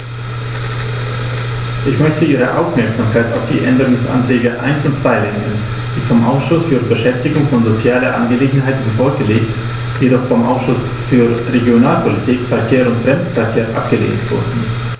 Ich möchte Ihre Aufmerksamkeit auf die Änderungsanträge 1 und 2 lenken, die vom Ausschuss für Beschäftigung und soziale Angelegenheiten vorgelegt, jedoch vom Ausschuss für Regionalpolitik, Verkehr und Fremdenverkehr abgelehnt wurden.